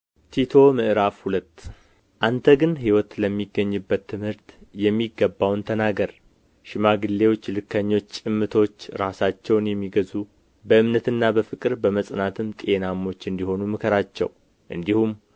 ቲቶ ምዕራፍ ሁለት አንተ ግን ሕይወት ለሚገኝበት ትምህርት የሚገባውን ተናገር ሽማግሌዎች ልከኞች ጭምቶች ራሳቸውን የሚገዙ በእምነትና በፍቅር በመጽናትም ጤናሞች እንዲሆኑ ምከራቸው እንዲሁም